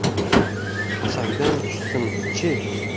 xashakdan tushsin chi